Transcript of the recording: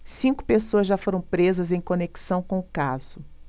cinco pessoas já foram presas em conexão com o caso